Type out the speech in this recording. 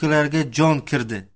ukalarga jon kirdi